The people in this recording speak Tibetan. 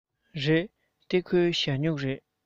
རེད འདི ཁོའི ཞ སྨྱུག རེད